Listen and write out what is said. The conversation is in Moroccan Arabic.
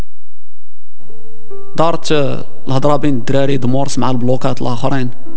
طارت اريد اسمع البلوكات الاخرين